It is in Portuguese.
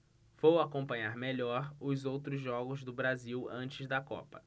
vou acompanhar melhor os outros jogos do brasil antes da copa